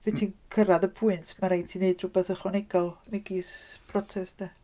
Pryd ti'n cyrraedd y pwynt, mae'n rhaid i ti wneud rhywbeth ychwanegol megis protest de?